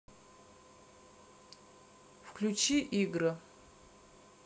включи игры